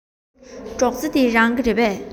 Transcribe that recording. སྒྲོག རྩེ འདི རང གི རེད པས